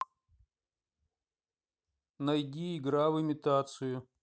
найди игра в имитацию